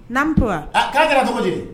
N'an tora a k'a kɛra cogo de